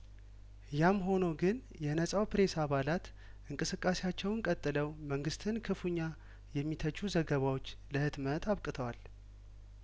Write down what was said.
ያም ሆኖ ግን የነጻው ፕሬስ አባላት እንቅስቃሴያቸውን ቀጥለው መንግስትን ክፉኛ የሚተቹ ዘገባዎች ለህትመት አብቅተዋል